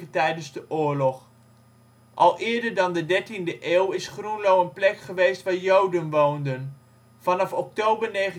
tijdens de oorlog. Al eerder dan de 13e eeuw is Groenlo een plek geweest waar Joden woonden. Vanaf oktober 1941